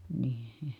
niin